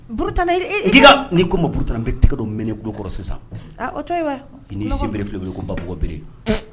Buuru tanna, n'i ko n ma buuru n bɛ tɛgɛ dɔ mɛnɛ i tulo kɔrɔ sisan